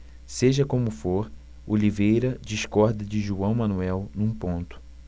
seja como for oliveira discorda de joão manuel num ponto